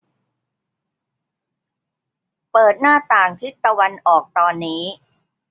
เปิดหน้าต่างทิศตะวันออกตอนนี้